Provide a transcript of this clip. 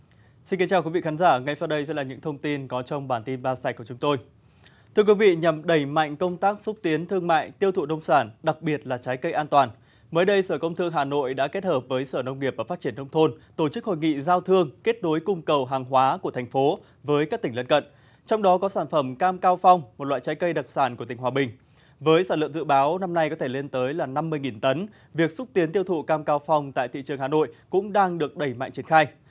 xin kính chào quý vị khán giả ngay sau đây sẽ là những thông tin có trong bản tin ba sạch của chúng tôi thưa quý vị nhằm đẩy mạnh công tác xúc tiến thương mại tiêu thụ nông sản đặc biệt là trái cây an toàn mới đây sở công thương hà nội đã kết hợp với sở nông nghiệp và phát triển nông thôn tổ chức hội nghị giao thương kết nối cung cầu hàng hóa của thành phố với các tỉnh lân cận trong đó có sản phẩm cam cao phong một loại trái cây đặc sản của tỉnh hòa bình với sản lượng dự báo năm nay có thể lên tới là năm mươi nghìn tấn việc xúc tiến tiêu thụ cam cao phong tại thị trường hà nội cũng đang được đẩy mạnh triển khai